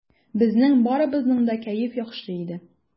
Безнең барыбызның да кәеф яхшы иде.